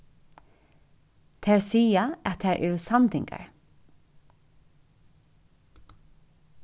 tær siga at tær eru sandoyingar